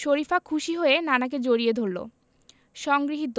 শরিফা খুশি হয়ে নানাকে জড়িয়ে ধরল সংগৃহীত